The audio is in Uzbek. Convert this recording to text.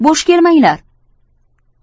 bo'sh kelmanglar